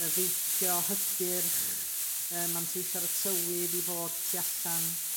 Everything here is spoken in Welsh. yy feicio hygyrch yy mantieisio ar y tywydd i fod tu allan